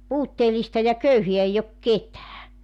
puutteellista ja köyhää ei ole ketään